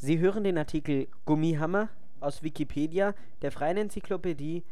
Sie hören den Artikel Gummihammer, aus Wikipedia, der freien Enzyklopädie